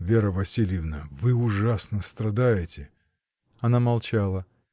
— Вера Васильевна — вы ужасно страдаете! Она молчала.